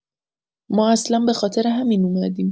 ما اصلا به‌خاطر همین اومدیم.